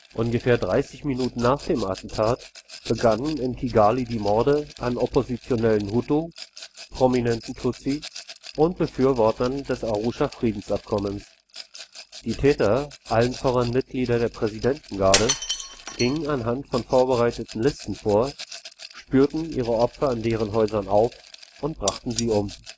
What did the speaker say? Ungefähr 30 Minuten nach dem Attentat begannen in Kigali die Morde an oppositionellen Hutu, prominenten Tutsi und Befürwortern des Arusha-Friedensabkommens. Die Täter, allen voran Mitglieder der Präsidentengarde, gingen anhand von vorbereiteten Listen vor, spürten ihre Opfer in deren Häusern auf und brachten sie um